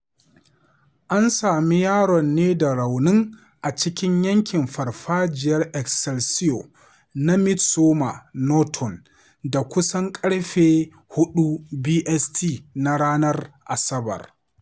An sami yaron ne da raunin a cikin yankin Farfajiyar Excelsior na Midsomer Norton, da kusan ƙarfe 04:00 BST na ranar Asabar.